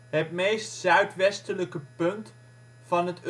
het meest zuid westelijke punt van het